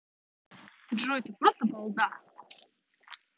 джой ты просто балда